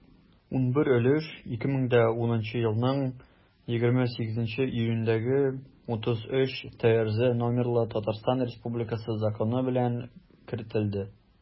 11 өлеш 2010 елның 28 июнендәге 33-трз номерлы татарстан республикасы законы белән кертелде.